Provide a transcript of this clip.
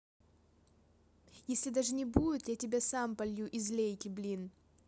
если даже не будет я тебя сам полью из лейки блин